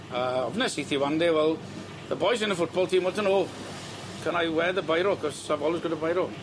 Yy ofnes ithi ŵan 'de wel the boys in the football team want to know can I wear the biro coz I've always got a biro.